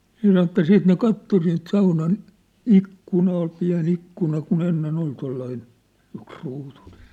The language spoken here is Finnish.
se sanoi että sitten ne katsoi siitä saunan ikkuna oli pieni ikkuna kun ennen oli tuollainen yksiruutuinen